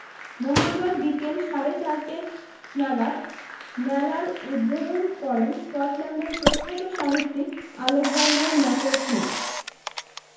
মঙ্গলবার বিকেল সাড়ে চারটে নাগাদ মেলার উদ্বোধন করেন স্কটল্যান্ডের প্রখ্যাত সাহিত্যিক আলেকজান্ডার ম্যাকল স্মিথ